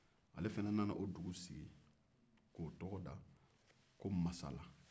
ale fana nana o dugu sigi k'o tɔgɔ da ko masala